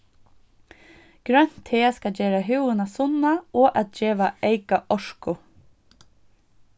grønt te skal gera húðina sunna og at geva eyka orku